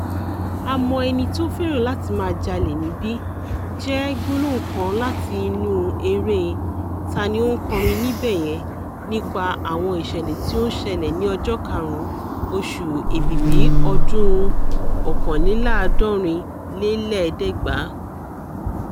"A mọ ẹni tí ó fẹ́ràn láti máa jalè níbí" jẹ́ gbólóhùn kan láti inú eré "Ta ni ó ń kọrin níbẹ̀ yẹn!" nípa àwọn ìṣẹ̀lẹ̀ tí ó ń ṣẹlẹ̀ ní ọjọ́ 5, oṣù Èbìbí ọdún 1971.